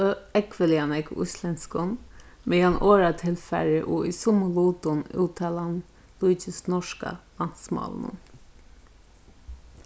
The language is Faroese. ógvuliga nógv íslendskum meðan orðatilfarið og í summum lutum úttalan líkist norska landsmálinum